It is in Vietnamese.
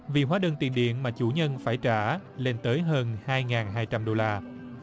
vì hóa đơn tiền điện mà chủ nhân phải trả lên tới hơn hai ngàn hai trăm đô la